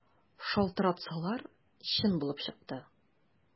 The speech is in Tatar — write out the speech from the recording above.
Шалтыратсалар, чын булып чыкты.